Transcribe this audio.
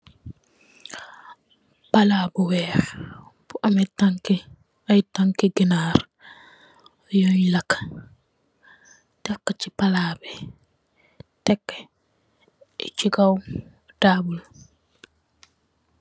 Palaa bu weex bu ameh tanke aye tanke genarr yuy laka def ku se palaa be tekk ku che kaw taabul.